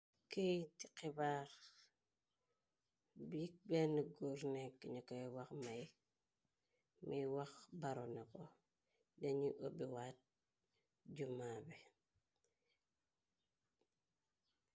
Keyti xibaar big benn gór nekk ña koy wax may miy wax baro nako dañuy ëbewaat juma be.